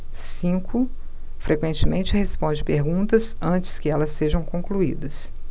cinco frequentemente responde perguntas antes que elas sejam concluídas